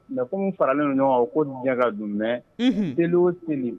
Mɛ ko faralen ɲɔgɔn ko diɲɛka don deli o seli